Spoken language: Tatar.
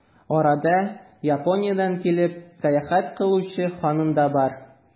Арада, Япониядән килеп, сәяхәт кылучы ханым да бар.